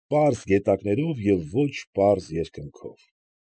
Պարզ գետակներով և ոչ պարզ երկնքով։